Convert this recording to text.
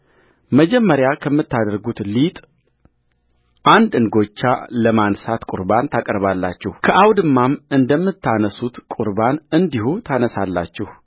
መጀመሪያ ከምታደርጉት ሊጥ አንድ እንጐቻ ለማንሣት ቍርባን ታቀርባላችሁ ከአውድማም እንደምታነሡት ቍርባን እንዲሁ ታነሣላችሁ